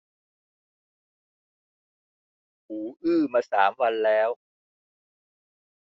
หูอื้อมาสามวันแล้ว